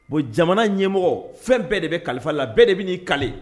Bon jamana ɲɛmɔgɔ fɛn bɛɛ de bɛ kalifa a la bɛɛ de bɛ'i kale.